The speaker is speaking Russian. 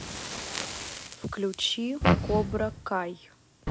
включи кобра кай